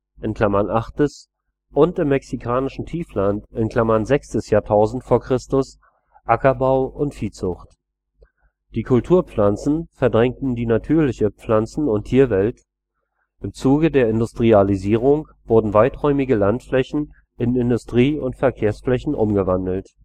in China (8.) und im mexikanischen Tiefland (6. Jahrtausend v. Chr.) Ackerbau und Viehzucht. Die Kulturpflanzen verdrängten die natürliche Pflanzen - und Tierwelt. Im Zuge der Industrialisierung wurden weiträumige Landflächen in Industrie - und Verkehrsflächen umgewandelt